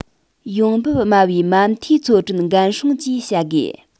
ཡོང འབབ དམའ བའི མ མཐའི འཚོ གྲོན འགན སྲུང བཅས བྱ དགོས